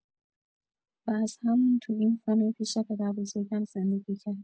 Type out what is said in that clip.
و از همون تو این خونه پیش پدربزرگم زندگی کرد.